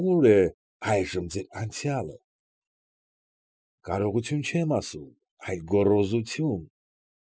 Ո՞ւր է այժմ ձեր անցյալը։ Կարողություն չեմ ասում, այլ գոռոզություն։